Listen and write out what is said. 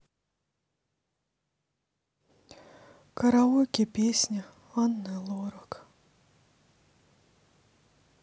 караоке песня анны лорак